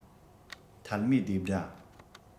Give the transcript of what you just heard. ཐལ མོའི རྡེབ སྒྲ